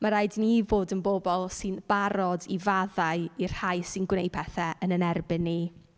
Ma' raid i ni fod yn bobl sy'n barod i faddau i'r rhai sy'n gwneud pethau yn ein erbyn ni.